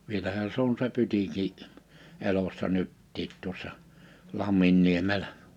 vielähän se on se pytinki elossa nytkin tuossa Lamminniemellä